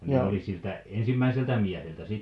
no ne oli siltä ensimmäiseltä mieheltä sitten